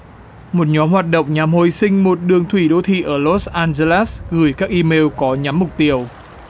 một nhóm hoạt động nhằm hồi sinh một đường thủy đô thị ở lốt an dơ lét gửi các i mêu có nhắm mục tiêu